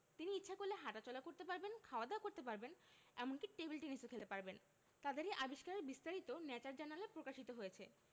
তিনি ইচ্ছা করলে হাটাচলা করতে পারবেন খাওয়া দাওয়া করতে পারবেন এমনকি টেবিল টেনিসও খেলতে পারবেন তাদের এই আবিষ্কারের বিস্তারিত ন্যাচার জার্নালে প্রকাশিত হয়েছে